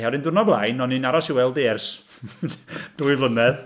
A wedyn diwrnod blaen, o'n i'n aros i weld hi ers dwy flynedd.